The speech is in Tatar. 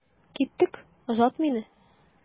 Киттек, озат мине.